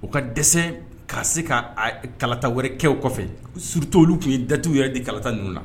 O ka dɛsɛ k'a se ka kalata wɛrɛ kɛ o kɔfɛ surtout olu tun ye date yɛrɛ di kalata ninnu na